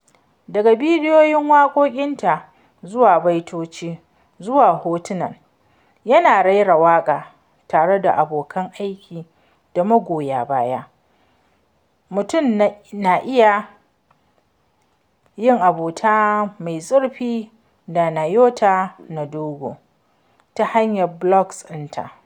Daga bidiyon waƙoƙinta zuwa baitoci zuwa hotunan, tana raira waƙa tare da abokan aiki da magoya baya, mutum na iya yin abota mai zurfi da Nyota Ndogo ta hanyar blog ɗinta.